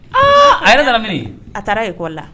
Aa a yɛrɛ lam a taara yen kɔ la